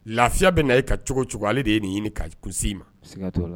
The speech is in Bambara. Lafiya bɛna na e ka cogo cogo ale de ye nin ɲini ka kun ma